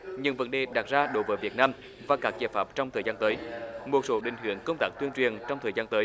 những vấn đề đặt ra đối với việt nam và các giải pháp trong thời gian tới một số định hướng công tác tuyên truyền trong thời gian tới